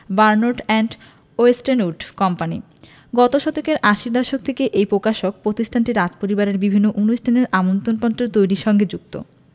Bernard and Westwood company গত শতকের আশির দশক থেকে এই প্রকাশক প্রতিষ্ঠানটি রাজপরিবারের বিভিন্ন অনুষ্ঠানের আমন্ত্রণপত্র তৈরির সঙ্গে যুক্ত